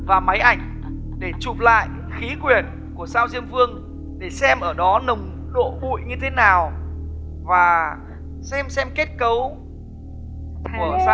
và máy ảnh để chụp lại khí quyển của sao diêm vương để xem ở đó nồng độ bụi như thế nào và xem xem kết cấu của sao